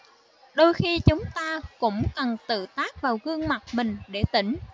đôi khi chúng ta cũng cần tự tát vào gương mặt mình để tỉnh